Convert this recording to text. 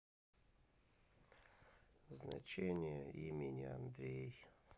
значение имени андрей